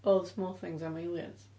All the small things am aliens?